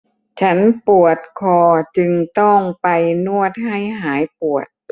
ฉันปวดคอจึงต้องไปนวดให้หายปวด